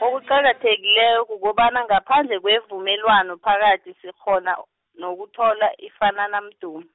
okuqakathekileko kukobana ngaphandle kwevumelwano phakathi sikghona , nokuthola ifanana mdumo.